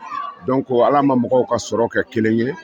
Don ko ala ma mɔgɔw ka sɔrɔ kɛ kelen ye